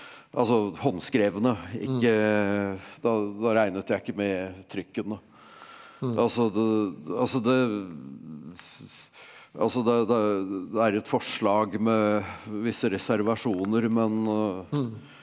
altså håndskrevne ikke da da regnet jeg ikke med trykkene altså det altså det altså det det det er et forslag med visse reservasjoner men .